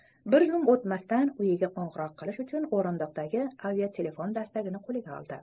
darhol uyiga qo'ng'iroq qilish uchun o'rindiqdagi aviatelefon dastagini qo'lga oldi